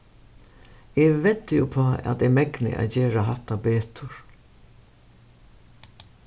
eg veddi uppá at eg megni at gera hatta betur